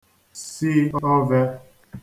si ọvē